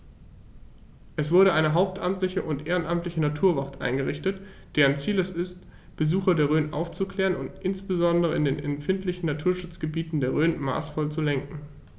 Es wurde eine hauptamtliche und ehrenamtliche Naturwacht eingerichtet, deren Ziel es ist, Besucher der Rhön aufzuklären und insbesondere in den empfindlichen Naturschutzgebieten der Rhön maßvoll zu lenken.